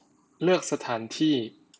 เลือกสถานที่